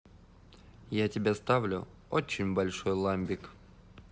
я тебя ставлю очень большой ламбик